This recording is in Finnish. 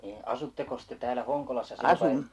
niin asuittekos te täällä Honkolassa silloin vai